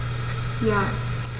Ja.